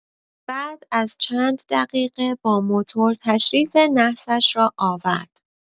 بعد از چند دقیقه با موتور تشریف نحسش را آورد.